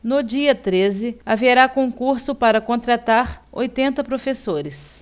no dia treze haverá concurso para contratar oitenta professores